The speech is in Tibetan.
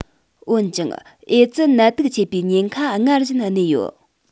འོན ཀྱང ཨེ ཙི ནད དུག མཆེད པའི ཉེན ཁ སྔར བཞིན གནས ཡོད